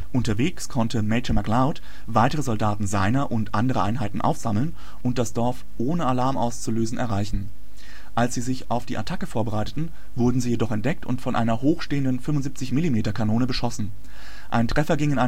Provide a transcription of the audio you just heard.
Unterwegs konnte Major McLeod weitere Soldaten seiner und anderer Einheiten aufsammeln und das Dorf ohne Alarm auszulösen erreichen. Als sie sich auf die Attacke vorbereiteten, wurden sie jedoch entdeckt und von einer hoch stehenden 75 mm-Kanone beschossen. Ein Treffer ging